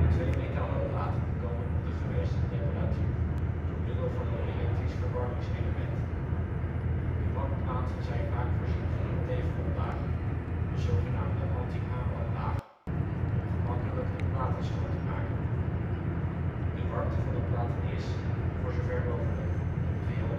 twee metalen platen komen op de gewenste temperatuur door middel van een elektrisch verwarmingselement. De bakplaten zijn vaak voorzien van een teflon laag, een zogenaamde ' anti-aanbaklaag ', om gemakkelijk de platen schoon te maken. De warmte van de platen is, voor zover mogelijk, geheel